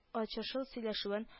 Ачышлы сөйләшүен